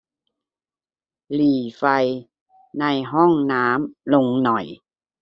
หรี่ไฟในห้องน้ำลงหน่อย